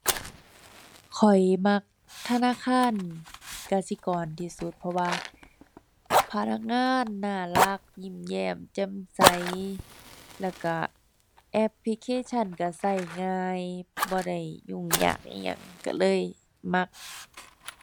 ข้อยมักธนาคารกสิกรที่สุด เพราะว่าพนักงานน่ารัก ยิ้มแย้ม แจ่มใส แล้วก็แอปพลิเคชันก็ก็ง่าย บ่ได้ยุ่งยากอิหยัง ก็เลยมัก